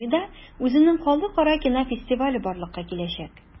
Сухумида үзенең халыкара кино фестивале барлыкка киләчәк.